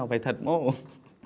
phải thật mô